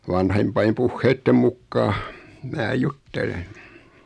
vanhempien puheiden mukaan minä juttelen